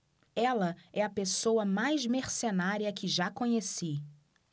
ela é a pessoa mais mercenária que já conheci